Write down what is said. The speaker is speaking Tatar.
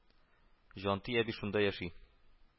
Җанти әби шунда яши